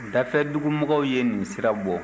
dafɛdugumɔgɔw ye nin sira bɔ